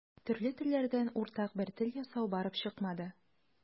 Төрле телләрдән уртак бер тел ясау барып чыкмады.